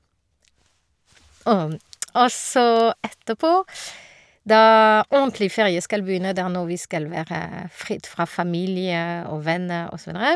Og så etterpå, da ordentlig ferie skal begynne, der når vi skal være fritt fra familie og venner og så videre.